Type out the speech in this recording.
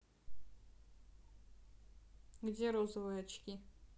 где розовые очки